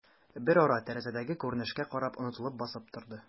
Берара, тәрәзәдәге күренешкә карап, онытылып басып торды.